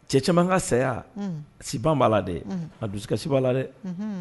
Cɛ caman ŋa saya unh siban b'a la dɛ unhun ŋa dusukasi b'a la dɛ unhun